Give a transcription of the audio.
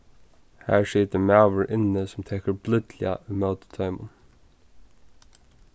har situr maður inni sum tekur blídliga ímóti teimum